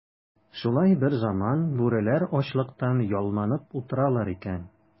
Шулай берзаман бүреләр ачлыктан ялманып утыралар икән.